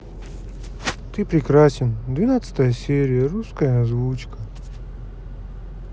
ты прекрасен двенадцатая серия русская озвучка